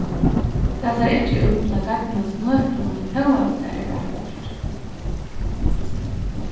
tað sær ikki út til at gagnast nøkrum hóast tað er vakurt